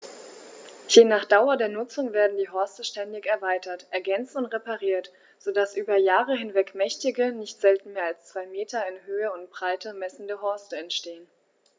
Je nach Dauer der Nutzung werden die Horste ständig erweitert, ergänzt und repariert, so dass über Jahre hinweg mächtige, nicht selten mehr als zwei Meter in Höhe und Breite messende Horste entstehen.